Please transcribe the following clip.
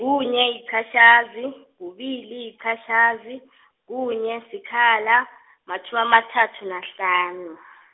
kunye, liqatjhazi, kubili, liqatjhazi, kunye, sikhala, matjhumi amathathu nahlanu .